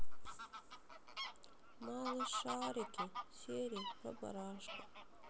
малышарики серии про барашка